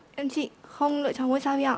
em thưa chị không lựa chọn ngôi sao hy vọng